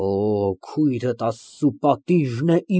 Շնորհակալ եմ։ (Նայելով եղունգներին)։ Գիտես, սիրելիս, մեր ժամանակի միակ գերիշխանը բանականությունն է։